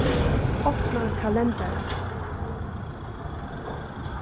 opna kalendara